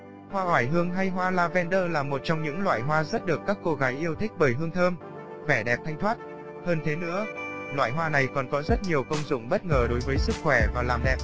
hoa oải hương là một trong những loại hoa rất được các cô gái yêu thích bởi hương thơm vẻ đẹp thanh thoát hơn thế nữa loại hoa này còn có rất nhiều công dụng bất ngờ đối với sức khỏe và làm đẹp